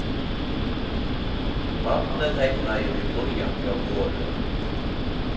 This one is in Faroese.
barnið teknaði við blýanti á borðið